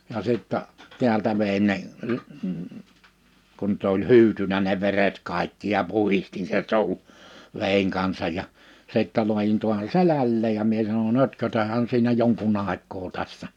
ja sitten täältä vedin ne - kun - oli hyytynyt ne veret kaikki ja puhdistin sen suun veden kanssa ja sitten laadin taa selälleen ja minä sanon ötkötähän siinä jonkun aikaa tässä